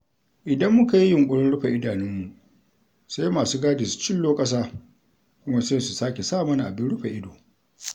Idan muka yi yunƙurin rufe idanunmu, sai masu gadi su cillo ƙasa. Kuma sai su sake sa mana abin rufe ido.